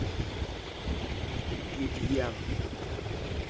ты пьян